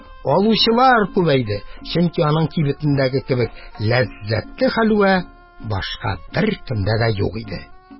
Алучылары күбәйде, чөнки аның кибетендәге кебек ләззәтле хәлвә башка беркемдә дә юк иде.